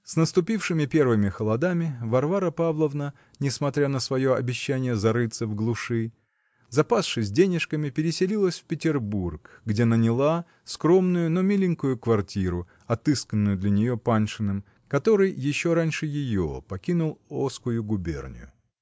------ С наступившими первыми холодами Варвара Павловна, несмотря на свое обещание зарыться в глуши, запасшись денежками, переселилась в Петербург, где наняла скромную, но миленькую квартиру, отысканную для нее Паншиным, который еще раньше ее покинул О. скую губернию.